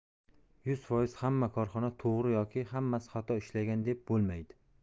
yuz foiz hamma korxona to'g'ri yoki hammasi xato ishlagan deb bo'lmaydi